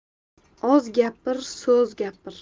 oz gapir soz gapir